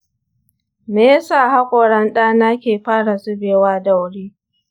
me ya sa haƙoran ɗa na ke fara zubewa da wuri?